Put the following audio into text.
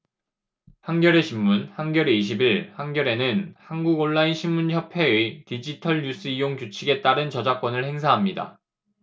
한겨레신문 한겨레 이십 일 한겨레는 한국온라인신문협회의 디지털뉴스이용규칙에 따른 저작권을 행사합니다